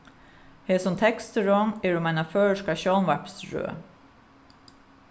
hesin teksturin er um eina føroyska sjónvarpsrøð